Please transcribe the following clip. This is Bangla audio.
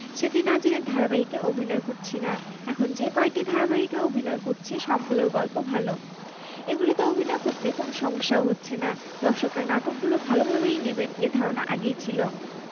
সেটি না জেনে ধারাবাহিকে অভিনয় করছি না এখন যে কয়টি ধারাবাহিকে অভিনয় করছি সবগুলোর গল্প ভালো এগুলোতে অভিনয় করতে কোনো সমস্যাও হচ্ছে না দর্শকরা নাটকগুলো ভালোভাবেই নেবেন এ ধারণা আগেই ছিল